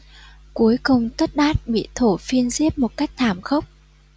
cuối cùng tất đát bị thổ phiên giết một cách thảm khốc